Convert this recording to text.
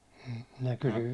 minä -